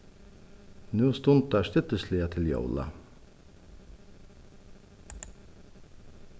nú stundar stillisliga til jóla